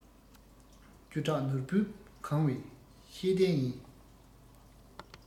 བཅུ ཕྲག ནོར བུས གང བའི ཤེས ལྡན ཡིན